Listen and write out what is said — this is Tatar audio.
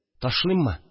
Ташлыйммы